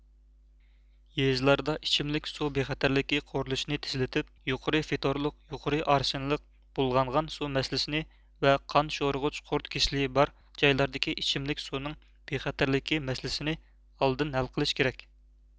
يېزىلاردا ئىچىملىك سۇ بىخەتەرلىكى قۇرۇلۇشىنى تېزلىتىپ يۇقىرى فتورلۇق يۇقىرى ئارسنلىق بۇلغانغان سۇ مەسىلىسىنى ۋە قان شورىغۇچ قۇرت كېسىلى بار جايلاردىكى ئىچىملىك سۇنىڭ بىخەتەرلىكى مەسىلىسىنى ئالدىن ھەل قىلىش كېرەك